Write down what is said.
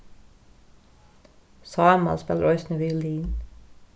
sámal spælir eisini violin